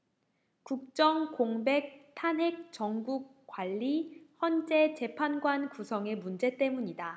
국정 공백 탄핵 정국 관리 헌재 재판관 구성의 문제 때문이다